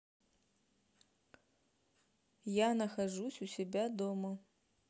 я нахожусь у себя дома